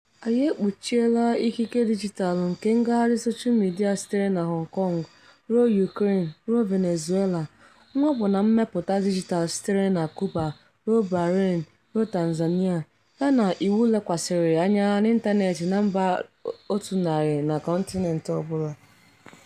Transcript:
Anyị ekpuchiela ikike dijitaalụ nke ngagharị soshal midịa sitere na Hong Kong ruo Ukraine ruo Venezuela, mwakpo na mmepụta dijitaalụ sitere na Cuba ruo Bahrain ruo Tanzania, yana iwu lekwasịrị anya n'ịntaneetị na mba 100 na kọntinent ọbụla.